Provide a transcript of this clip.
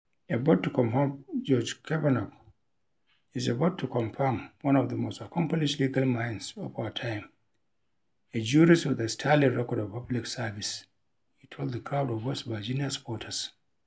"A vote to confirm Judge Kavanaugh is a vote to confirm one of the most accomplished legal minds of our time, a jurist with a sterling record of public service," he told the crowd of West Virginia supporters.